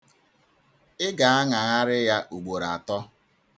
Ị ga-aṅagharị ya ugboro atọ.